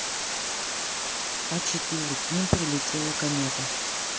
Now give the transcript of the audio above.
а четыре к ним прилетела комета